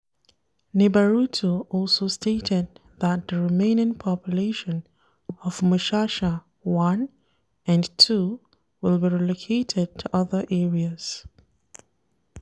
Nibaruta also stated that the remaining population of Mushasha I and II will be relocated to other areas.